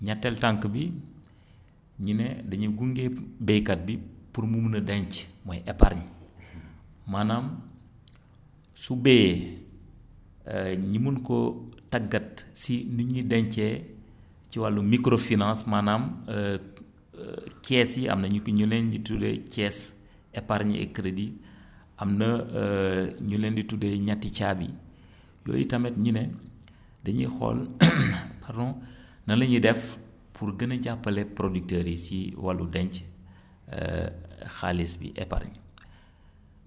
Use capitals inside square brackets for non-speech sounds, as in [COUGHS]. ñetteelu tànk bi [INHALES] ñu ne dañuy gunge baykat bi pour mu mën a denc mooy épargne [BREATH] maanaam [SMACKS LIPS] su bayee [HESITATION] ñu mën koo tàggat si ni ñuy dencee ci wàllum microfinance maanaam [HESITATION] kees yi am na ñu ki ñu leen di tuddee kees épargne et crédit [INHALES] am na [HESITATION] ñu leen di tuddee ñetti caabi yi [INHALES] yooyu tamit ñu ne [SMACKS LIPS] dañuy xool [COUGHS] pardon nan la ñuy def pour gën a jàppale producteurs yi si wàllu denc [INHALES] [HESITATION] xaalis bi épargne [BREATH]